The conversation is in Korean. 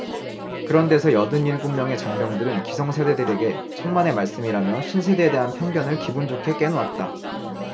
그런 데서 여든 일곱 명의 장병들은 기성세대들에게 천만의 말씀이라며 신세대에 대한 편견을 기분좋게 깨놓았다